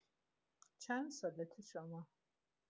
چندسالته شما؟